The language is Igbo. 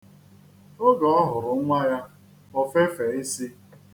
Oge ọ hụrụ nnwa ya, o fefee isi.